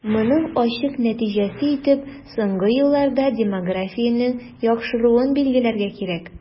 Моның ачык нәтиҗәсе итеп соңгы елларда демографиянең яхшыруын билгеләргә кирәк.